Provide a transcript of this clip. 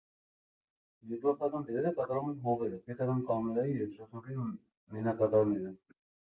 Երկրորդական դերերը կատարում էին «Հովեր» պետական կամերային երգչախմբի մենակատարները։